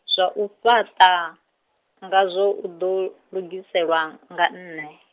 zwau fhaṱa, nga zwo u ḓo, lugiselwa, nga nṋe.